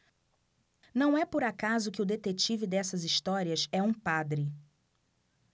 não é por acaso que o detetive dessas histórias é um padre